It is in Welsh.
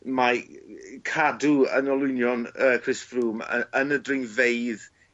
mae yy cadw yn olwynion yy Chris Froome y- yn y dringfeydd